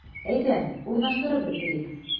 Әйдә, урнаштырып бетерик.